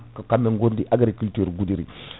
ko kamɓe gondi agriculture Goudiry